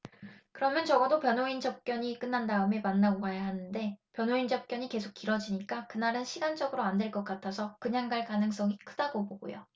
그러면 적어도 변호인 접견이 끝난 다음에 만나고 가야 하는데 변호인 접견이 계속 길어지니까 그날은 시간적으로 안 될 것 같아서 그냥 갈 가능성이 크다고 보고요